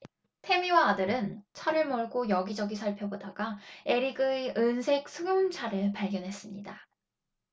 태미와 아들은 차를 몰고 여기 저기 살펴보다가 에릭의 은색 승용차를 발견했습니다